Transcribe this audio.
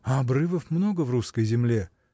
А обрывов много в русской земле!